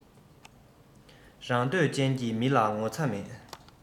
རང འདོད ཅན གྱི མི ལ ངོ ཚ མེད